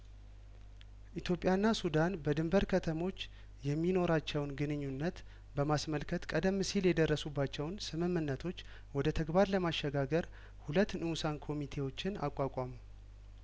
ኢትዮጵያና ሱዳን በድንበር ከተሞች የሚኖራቸውን ግንኙነት በማስመልከት ቀደም ሲል የደረሱባቸውን ስምምነቶች ወደ ተግባር ለማሽጋገር ሁለት ንኡሳን ኮሚቴዎችን አቋቋሙ